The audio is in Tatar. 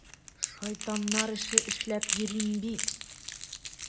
Шайтаннар эше эшләп йөрим бит!